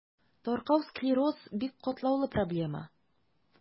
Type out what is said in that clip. Таркау склероз – бик катлаулы проблема.